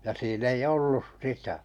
ja siinä ei ollut sitä